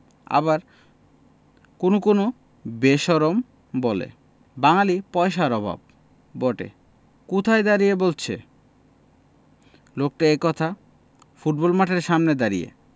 আবার কোনো কোনো বেশরম বলে বাঙালীর পয়সার অভাব বটে কোথায় দাঁড়িয়ে বলছে লোকটা এ কথা ফুটবল মাঠের সামনে দাঁড়িয়ে